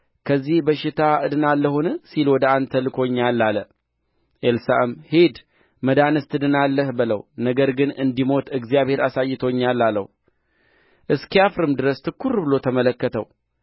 ከዚህ በሽታ እድናለሁን ሲል ወደ አንተ ልኮኛል አለ ኤልሳዕም ሂድ መዳንስ ትድናለህ በለው ነገር ግን እንዲሞት እግዚአብሔር አሳይቶኛል አለው እስኪያፍርም ድረስ ትኵር ብሎ ተመለከተው